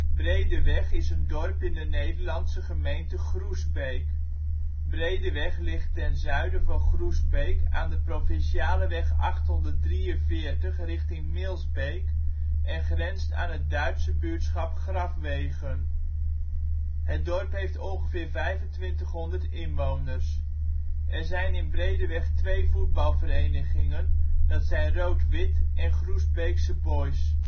Breedeweg is een dorp in de Nederlandse gemeente Groesbeek. Breedeweg ligt ten zuiden van Groesbeek aan de Provinciale weg 843 richting Milsbeek en grenst aan het Duitse buurtschap Grafwegen. Het dorp heeft ongeveer 2500 inwoners. Er zijn in Breedeweg twee voetbalverenigingen, dat zijn Rood-Wit en Groesbeekse Boys